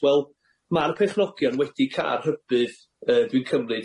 Wel ma'r pechnogion wedi ca'l rhybudd yy dwi'n cymryd